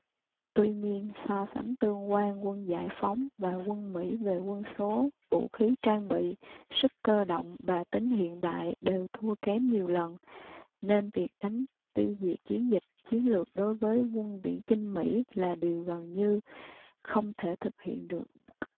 tuy nhiên so sánh tương quan quân giải phóng và quân mỹ về quân số vũ khí trang bị sức cơ động và tính hiện đại đều thua kém nhiều lần nên việc đánh tiêu diệt chiến dịch chiến lược đối với quân viễn chinh mỹ là điều gần như không thể thực hiện được